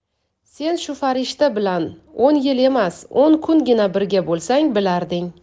sen shu farishta bilan o'n yil emas o'n kungina birga bo'lsang bilarding